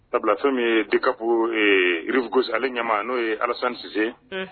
Sabulabila fɛn min de ka pugu ale ɲɛmaa n'o ye alazsise